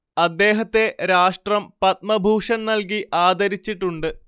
അദ്ദേഹത്തെ രാഷ്ട്രം പദ്മഭൂഷൻ നൽകി ആദരിച്ചിട്ടുണ്ട്